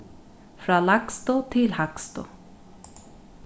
frá lægstu til hægstu